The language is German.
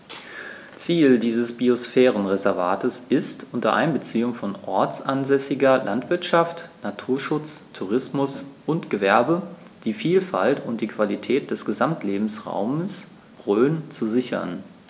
Ziel dieses Biosphärenreservates ist, unter Einbeziehung von ortsansässiger Landwirtschaft, Naturschutz, Tourismus und Gewerbe die Vielfalt und die Qualität des Gesamtlebensraumes Rhön zu sichern.